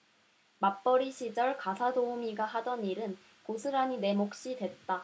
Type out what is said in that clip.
맞벌이 시절 가사도우미가 하던 일은 고스란히 내 몫이 됐다